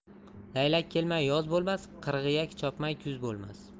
laylak kelmay yoz bo'lmas qirg'iyak chopmay kuz bo'lmas